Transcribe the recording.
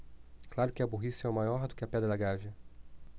claro que a burrice é maior do que a pedra da gávea